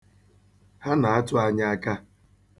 Ha na-atụ anyị aka.